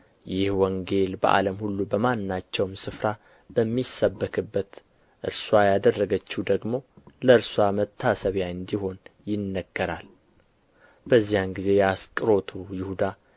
ይህ ወንጌል በዓለም ሁሉ በማናቸውም ስፍራ በሚሰበክበት እርስዋ ያደረገችው ደግሞ ለእርስዋ መታሰቢያ እንዲሆን ይነገራል በዚያን ጊዜ የአስቆሮቱ ይሁዳ